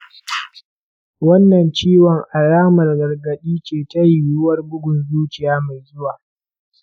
wannan ciwon alamar gargaɗi ce ta yiwuwar bugun zuciya mai zuwa.